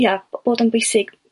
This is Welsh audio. ia bod o'n bwysig